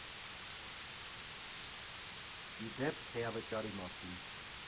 Ի դեպ, թեյավճարի մասին.